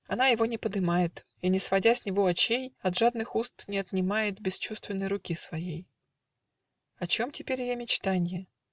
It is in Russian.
Она его не подымает И, не сводя с него очей, От жадных уст не отымает Бесчувственной руки своей. О чем теперь ее мечтанье?